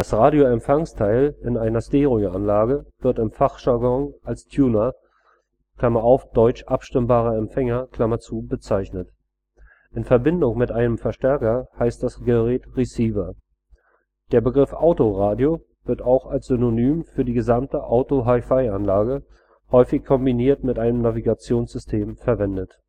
Radioempfangsteil in einer Stereoanlage wird im Fachjargon als Tuner (dt. abstimmbarer Empfänger) bezeichnet. In Verbindung mit einem Verstärker heißt das Gerät Receiver. Der Begriff „ Autoradio “wird auch als Synonym für die gesamte Auto-Hi-Fi-Anlage, häufig kombiniert mit einem Navigationssystem, verwendet